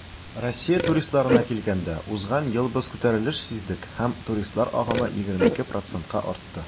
Россия туристларына килгәндә, узган ел без күтәрелеш сиздек һәм туристлар агымы 22 %-ка артты.